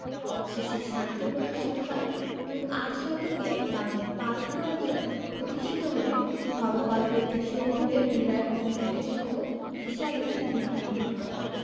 অবশেষে শান্তি প্রতিষ্ঠিত হয় এবং আট শতকে বাংলায় পাল সাম্রাজ্য প্রতিষ্ঠিত হলে ধর্মপাল কর্তৃক সোমপুরে বিরাট মন্দিরসহ বিশাল একটি বিহার নির্মিত হয়